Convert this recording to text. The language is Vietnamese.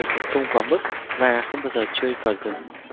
tấn công quá mức và không bao giờ chơi cờ rừng